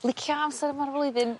licio amser yma'r flwyddyn?